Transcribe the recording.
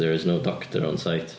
There is no doctor on site.